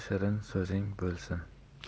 shirin so'zing bo'lsin